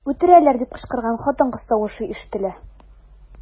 "үтерәләр” дип кычкырган хатын-кыз тавышы ишетелә.